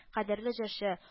Кадерле җырчы